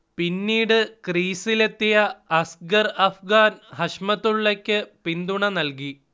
പിന്നീട് ക്രീസിലെത്തിയ അസ്ഗർ അഫ്ഗാൻ, ഹഷ്മതുള്ളയക്ക് പിന്തുണ നൽകി